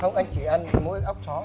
không anh chỉ ăn mỗi óc chó